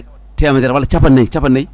temedere walla capannayyi capannayyi